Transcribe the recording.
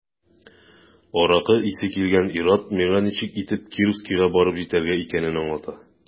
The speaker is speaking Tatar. Аракы исе килгән ир-ат миңа ничек итеп Кировскига барып җитәргә икәнен аңлата.